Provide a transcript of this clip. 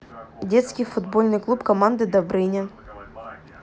детский футбольный клуб команда добрыня